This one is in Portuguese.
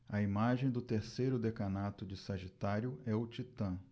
a imagem do terceiro decanato de sagitário é o titã